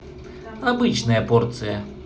обычная порция